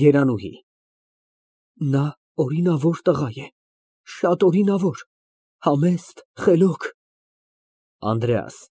ԵՐԱՆՈՒՀԻ ֊ Նա օրինավոր տղա է, շատ օրինավոր, համեստ, խելոք… ԱՆԴՐԵԱՍ ֊